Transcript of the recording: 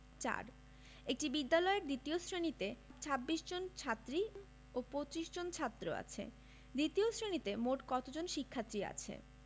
৪ একটি বিদ্যালয়ের দ্বিতীয় শ্রেণিতে ২৬ জন ছাত্রী ও ২৫ জন ছাত্র আছে দ্বিতীয় শ্রেণিতে মোট কত জন শিক্ষার্থী আছে